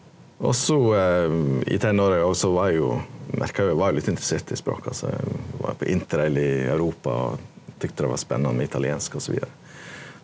og so i tenåra òg så var eg jo merka jo eg var jo litt interessert i språk altso eg var på interrail i Europa og tykte det var spanande med italiensk og so vidare.